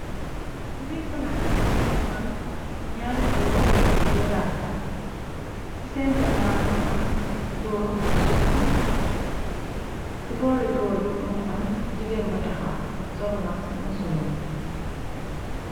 Si biir palaas bi, mingi am ñaari góor yi rabbu, ci seen gannaw mingi am góor bu sukku, ci boori góor bi më ngi am jigéen bu taxaw, sol wagsi musooru.